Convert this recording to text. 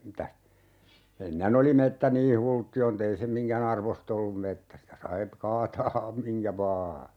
mitäs ennen oli metsä niin hulttioin että ei se minkään arvoista ollut metsä sitä sai kaataa minkä vain